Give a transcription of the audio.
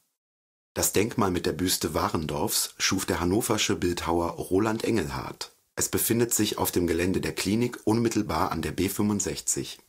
Das Denkmal mit der Büste Wahrendorffs schuf der hannoversche Bildhauer Roland Engelhard. Es befindet sich auf dem Gelände der Klinik unmittelbar an der B 65.